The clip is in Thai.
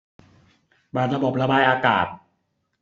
เปิดระบบระบายอากาศ